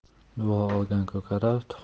duo olgan ko'karar